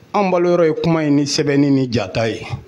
Anw balo yɔrɔ ye kuma in ni sɛbɛnni ni jata ye